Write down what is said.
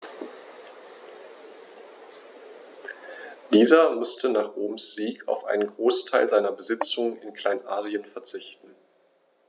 Dieser musste nach Roms Sieg auf einen Großteil seiner Besitzungen in Kleinasien verzichten.